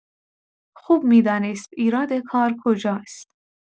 خوب می‌دانست ایراد کار کجاست.